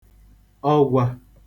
ọgwā